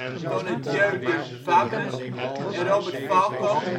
Donnedieu de Vabres en Robert Falco